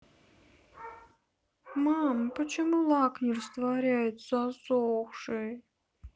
мама почему лак не растворяется засохший